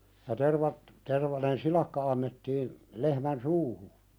ja tervat tervainen silakka annettiin lehmän suuhun